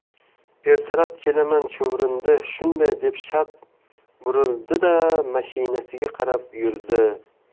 ertalab kelaman chuvrindi shunday deb shart burildi da mashinasiga qarab yurdi